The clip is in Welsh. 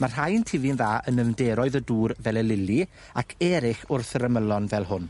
ma' rhai'n tufu'n dda yn nymderoedd y dŵr fel y lili ac eryll wrth yr ymylon fel hwn.